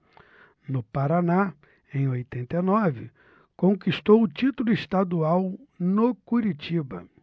no paraná em oitenta e nove conquistou o título estadual no curitiba